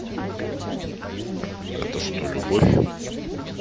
это что любовь